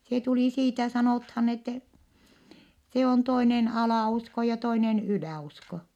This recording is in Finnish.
se tuli siitä sanotaan että se on toinen alausko ja toinen yläusko